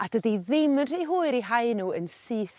a dydi ddim yn rhy hwyr i hau n'w yn syth